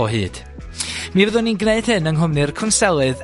o hyd. mi fyddwn ni'n gwneud hyn yng nghwmni'r cwnselydd